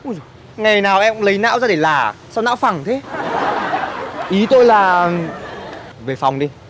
ui dồi ngày nào em cũng lấy não ra để là à sao não phẳng thế ý tôi là về phòng đi